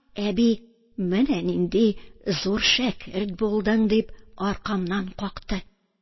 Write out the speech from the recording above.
Әби: менә нинди зур шәкерт булдың дип, аркамнан какты.